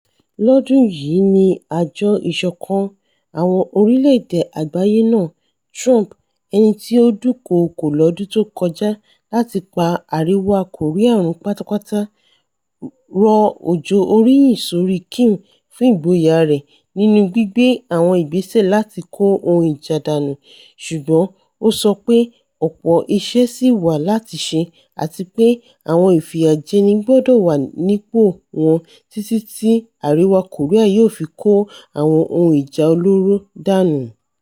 Lọ́dún yìí ní Àjọ Ìṣọ̀kan Àwọn orílẹ̀-èdè Àgbáyé náà, Trump, ẹnití ó dúnkòokó lọ́dún tókọjá láti ''pa Àríwá Kòríà run pátápátá'', rọ òjò oríyìn sórí Kim fún ìgboyà rẹ̀ Nínú gbìgbé àwọn ìgbẹ́sẹ̀ láti kó ohun ìjà dànù, ṣùgbọ́n ó sọ pé ọ̀pọ̀ iṣẹ́ sí wà láti ṣe àtipé àwọn ìfìyàjẹni gbọ̀dọ̀ wànípò wọn títí ti Àríwá Kòríà yóò fi kó àwọn ohun ìjà olóró dànù.